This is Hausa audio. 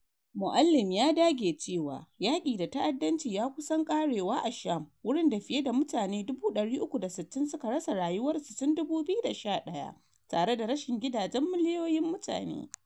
Moualem ya dage cewa “yaki da ta’addanci ya kusan karewa” a Sham, wurin da fiye da mutane 360,000 suka rasa rayuwar su tun 2011, tare da rashin gidajen miliyoyin mutane.